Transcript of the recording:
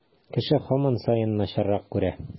Кеше һаман саен начаррак күрә.